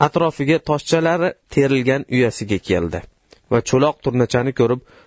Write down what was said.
atrofiga toshchalar terilgan uyasiga keldi va cho'loq turnachani ko'rib